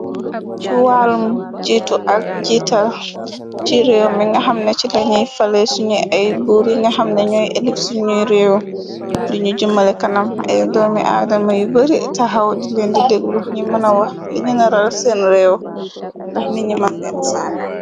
Si waalum jiitu ak jiital, ci réew mi ngaxamna ci lañiy fale suñu ay buur yi nga xam na ñuoy elif suñuy réew, diñu jëmale kanam ay doomi aadama yu bari taxaw dileen di dëglu ñi mëna wax li ñi na ral seen réew ndax ninñi man leena saanel.